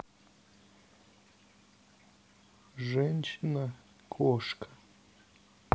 женщина кошка